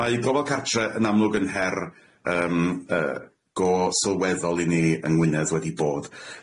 Mae gofal cartre yn amlwg yn her yym yy go sylweddol i ni yng Ngwynedd wedi bod.